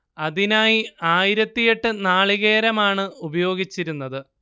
അതിനായി ആയിരത്തിയെട്ട് നാളികേരമാണ് ഉപയോഗിച്ചിരുന്നത്